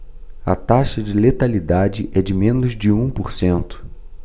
a taxa de letalidade é de menos de um por cento